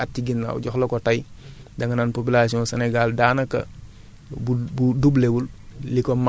parce que seetlu nañ ko boo seetoon bu ñu la joxoon statistiques yi population bi quelques at ci ginnaaw jox la ko tey